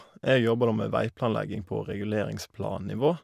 Jeg jobber da med veiplanlegging på reguleringsplan-nivå.